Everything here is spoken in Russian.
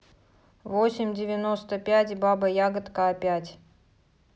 восемь девяносто пять баба ягодка опять